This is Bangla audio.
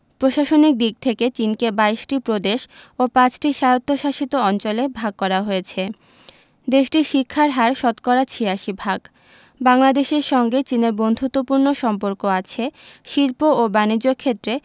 প্রশাসনিক দিক থেকে চিনকে ২২ টি প্রদেশ ও ৫ টি স্বায়ত্তশাসিত অঞ্চলে ভাগ করা হয়েছে দেশটির শিক্ষার হার শতকরা ৮৬ ভাগ বাংলাদেশের সঙ্গে চীনের বন্ধুত্বপূর্ণ সম্পর্ক আছে শিল্প ও বানিজ্য ক্ষেত্রে